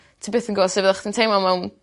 ti byth yn gw'o' sut fyddach chdi'n teimlo mewn